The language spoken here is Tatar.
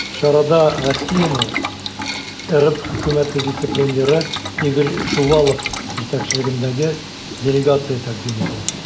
Чарада Россияне РФ Хөкүмәте вице-премьеры Игорь Шувалов җитәкчелегендәге делегация тәкъдим итә.